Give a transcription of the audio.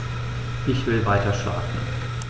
Ich will weiterschlafen.